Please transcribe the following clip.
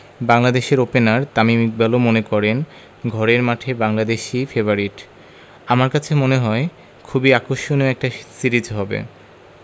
বাংলাদেশের ওপেনার তামিম ইকবালও মনে করেন ঘরের মাঠে বাংলাদেশই ফেবারিট আমার কাছে মনে হয় খুবই আকর্ষণীয় একটা সিরিজ হবে